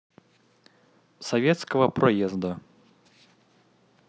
советского проезда